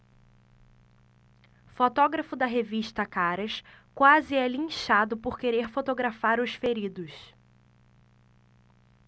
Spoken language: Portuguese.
fotógrafo da revista caras quase é linchado por querer fotografar os feridos